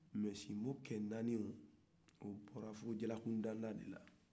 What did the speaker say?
mɛ sinbo cɛ naani olu bɔra fo jalamundanda de la